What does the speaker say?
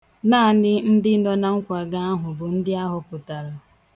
Naanị ndị nọ na nkwago ahụ bụ ndị ahọpụtara.